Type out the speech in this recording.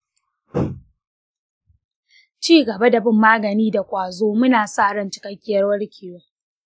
ci gaba da bin magani da ƙwazo, muna sa ran cikakkiyar warkewa.